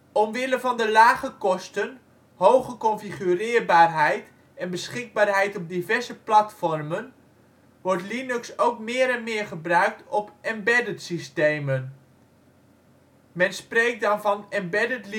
Omwille van de lage kosten, hoge configureerbaarheid en beschikbaarheid op diverse platformen, wordt Linux ook meer en meer gebruikt op embedded systemen; men spreekt dan van embedded